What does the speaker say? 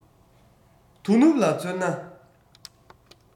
དོ ནུབ ལ མཚོན ན